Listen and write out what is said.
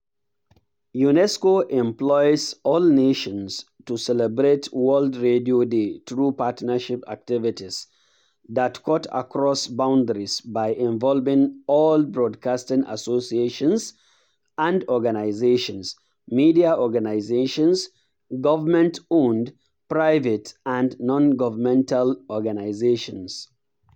UNESCO implores all nations to celebrate World Radio Day through partnership activities that cut across boundaries by involving all broadcasting associations and organizations, media organizations, government-owned, private and non-governmental organizations.